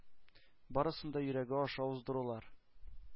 Барысын да йөрәге аша уздырулар…